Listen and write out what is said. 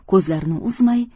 ko'zlarini uzmay